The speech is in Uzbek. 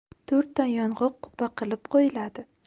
to'rtta yong'oq qubba qilib qo'yiladi